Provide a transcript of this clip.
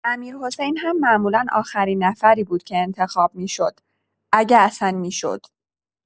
امیرحسین هم معمولا آخرین نفری بود که انتخاب می‌شد، اگه اصلا می‌شد.